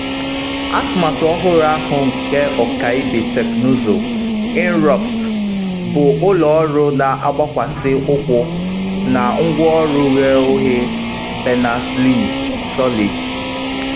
Atụmatụ ọhụrụ ahụ nke ọkaibe teknụzụ, Inrupt, bụ ụlọ ọrụ na-agbakwasa ụkwụ na ngwanro ghe oghe Berners-Lee, Solid.